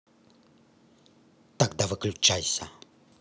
тогда выключайся